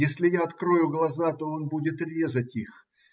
если я открою глаза, то он будет резать их.